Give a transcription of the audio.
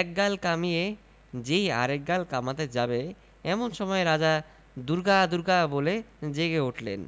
এক গাল কামিয়ে যেই আর এক গাল কামাতে যাবে এমন সময় রাজা দুর্গা দুর্গা বলে জেগে উঠলেন